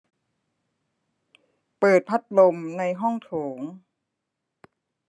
เปิดพัดลมในห้องโถง